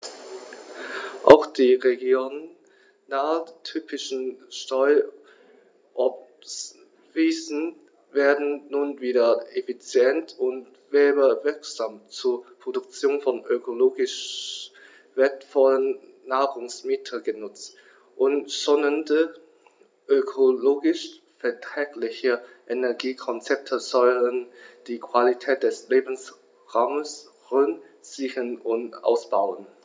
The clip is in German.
Auch die regionaltypischen Streuobstwiesen werden nun wieder effizient und werbewirksam zur Produktion von ökologisch wertvollen Nahrungsmitteln genutzt, und schonende, ökologisch verträgliche Energiekonzepte sollen die Qualität des Lebensraumes Rhön sichern und ausbauen.